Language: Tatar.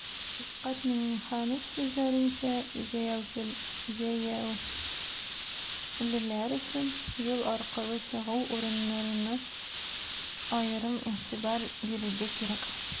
Рифкать Миңнеханов сүзләренчә, җәяүлеләр өчен юл аркылы чыгу урыннарына аерым игътибар бирергә кирәк.